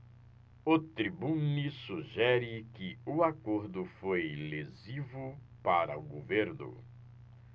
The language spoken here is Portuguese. o tribune sugere que o acordo foi lesivo para o governo